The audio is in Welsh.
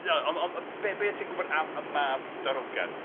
Ond... ond be... be ti'n gwybod am y Mab Darogan?